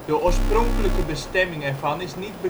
oorspronkelijke bestemming ervan is niet